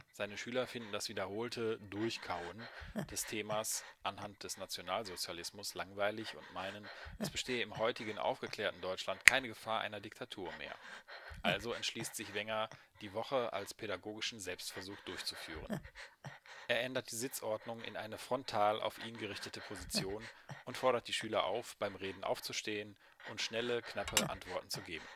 Seine Schüler finden das wiederholte „ Durchkauen “des Themas anhand des Nationalsozialismus langweilig und meinen, es bestehe im heutigen aufgeklärten Deutschland keine Gefahr einer Diktatur mehr. Also entschließt sich Wenger, die Woche als pädagogischen Selbstversuch durchzuführen. Er ändert die Sitzordnung in eine frontal auf ihn gerichtete Position und fordert die Schüler auf, beim Reden aufzustehen und schnelle, knappe Antworten zu geben